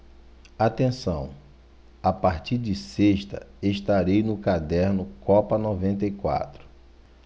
atenção a partir de sexta estarei no caderno copa noventa e quatro